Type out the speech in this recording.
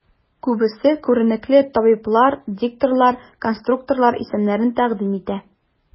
Күбесе күренекле табиблар, дикторлар, конструкторлар исемнәрен тәкъдим итә.